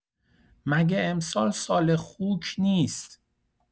مگه امسال سال خوک نیست؟